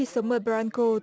sống ở bờ ran cô